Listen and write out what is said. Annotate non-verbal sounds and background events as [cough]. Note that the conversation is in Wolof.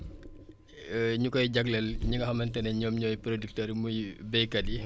[hesitation] ñu koy jagleel ñi nga xamante ne ñoom ñooy producteurs yi muy béykat yi